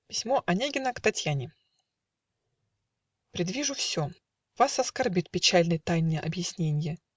Письмо Онегина к Татьяне Предвижу все: вас оскорбит Печальной тайны объясненье.